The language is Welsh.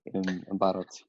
yn barod.